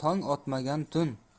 tong otmagan tun